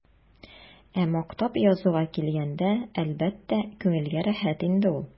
Ә мактап язуга килгәндә, әлбәттә, күңелгә рәхәт инде ул.